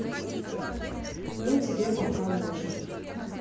ну тебе пока нужно